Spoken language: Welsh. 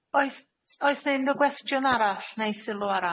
Oes- oes ne' unrw gwestiwn arall, ne' sylw arall?